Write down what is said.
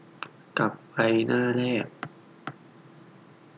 กลับไปหน้าแรก